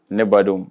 Ne badon